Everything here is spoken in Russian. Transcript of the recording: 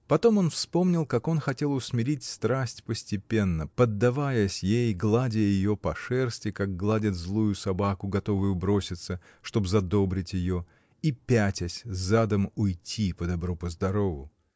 Потом он вспомнил, как он хотел усмирить страсть постепенно, поддаваясь ей, гладя ее по шерсти, как гладят злую собаку, готовую броситься, чтоб задобрить ее — и, пятясь задом, уйти подобру-поздорову.